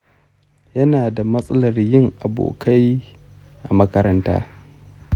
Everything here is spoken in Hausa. yana da matsalar yin abokai a makaranta.